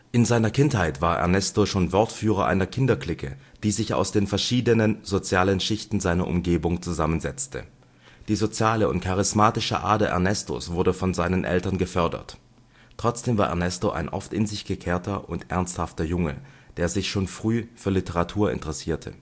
In seiner Kindheit war Ernesto schon Wortführer einer Kinderclique, die sich aus den verschiedenen sozialen Schichten seiner Umgebung zusammensetzte. Die soziale und charismatische Ader Ernestos wurde von seinen Eltern gefördert. Trotzdem war Ernesto ein oft in sich gekehrter und ernsthafter Junge, der sich schon früh für Literatur interessierte